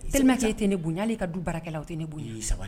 Selimakɛ e tɛ ne bonyaɲali ka du baarakɛlaw o tɛ ne sabali